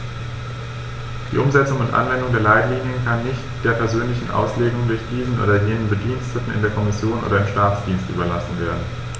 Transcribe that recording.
Die Umsetzung und Anwendung der Leitlinien kann nicht der persönlichen Auslegung durch diesen oder jenen Bediensteten in der Kommission oder im Staatsdienst überlassen werden.